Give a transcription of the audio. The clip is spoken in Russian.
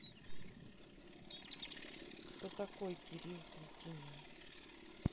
кто такой кирилл кретинин